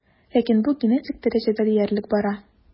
Ләкин бу генетик дәрәҗәдә диярлек бара.